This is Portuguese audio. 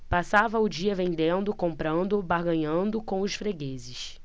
passava o dia vendendo comprando barganhando com os fregueses